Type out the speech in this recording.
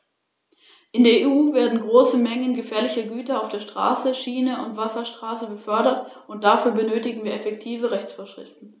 Wir erhoffen uns daher vom Strukturfondsprogramm nicht nur eine wirtschaftliche Umstrukturierung, sondern eine weitreichendere Verbesserung der wirtschaftlichen Basis des Landesteils.